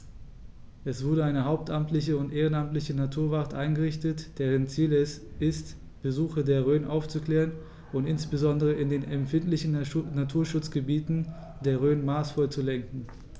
Es wurde eine hauptamtliche und ehrenamtliche Naturwacht eingerichtet, deren Ziel es ist, Besucher der Rhön aufzuklären und insbesondere in den empfindlichen Naturschutzgebieten der Rhön maßvoll zu lenken.